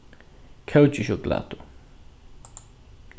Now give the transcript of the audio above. kókisjokulátu